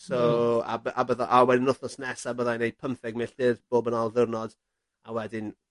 So a by- a bydda a wedyn wthnos nesa byddai'n neud pymtheg milltyr bob yn ail ddiwrnod. A wedyn